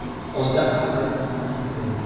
ota aql ona idrok